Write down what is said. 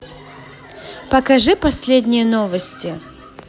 покажи последние новости